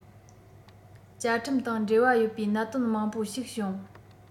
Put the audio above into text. བཅའ ཁྲིམས དང འབྲེལ བ ཡོད པའི གནད དོན མང པོ ཞིག བྱུང